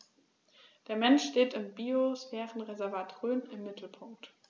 Der Mensch steht im Biosphärenreservat Rhön im Mittelpunkt.